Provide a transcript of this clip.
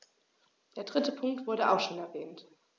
Der dritte Punkt wurde auch schon erwähnt.